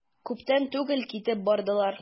Күптән түгел китеп бардылар.